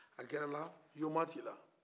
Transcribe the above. a gɛrɛla yomati la